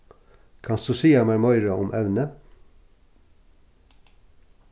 kanst tú siga mær meira um evnið